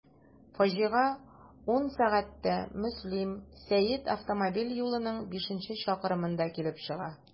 Фаҗига 10.00 сәгатьтә Мөслим–Сәет автомобиль юлының бишенче чакрымында килеп чыга.